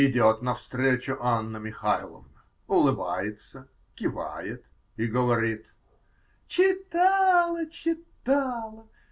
Идет навстречу Анна Михайловна, улыбается, кивает и говорит: -- Читала, читала.